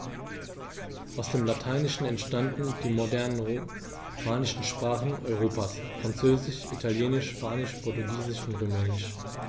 Aus dem Lateinischen entstanden die modernen „romanischen“ Sprachen Europas: Französisch, Italienisch, Spanisch, Portugiesisch und Rumänisch.